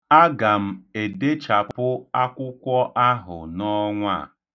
Aga m edechapụ akwụkwọ ahụ n'ọnwa a.